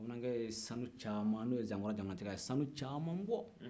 bamananke ye sanu caman n'o ye zankura jamanatigi ye a ye sanu caman bɔ